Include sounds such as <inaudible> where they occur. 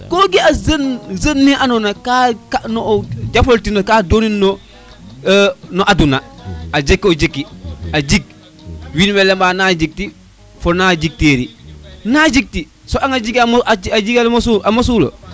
go ga a jeune ne ando na ka nga no jafole ten ka donin <hesitation> no aduna a jeka jeki a jik wine lema na jik ti fona jik teri na jik ti a soɓan a jigan a mosu yo